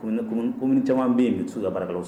Communes Caaman bɛ yen bi u tɛ se k'u ka baarakɛlaw